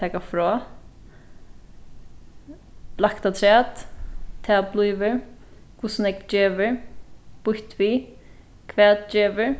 taka frá lagt afturat tað blívur hvussu nógv gevur býtt við hvat gevur